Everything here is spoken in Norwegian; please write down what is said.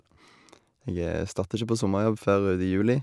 Jeg starter ikke på sommerjobb før uti juli.